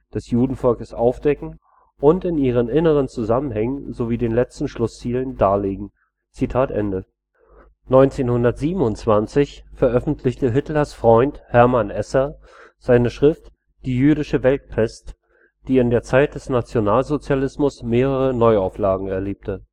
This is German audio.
des Judenvolkes aufdecken und in ihren inneren Zusammenhängen sowie den letzten Schlußzielen darlegen. “1927 veröffentlichte Hitlers Freund Hermann Esser seine Schrift Die jüdische Weltpest, die in der Zeit des Nationalsozialismus mehrere Neuauflagen erlebte